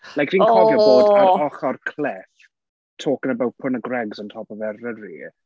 Like fi'n cofio... O!... bod ar ochr cliff talking about putting a Greggs on top of Eryri.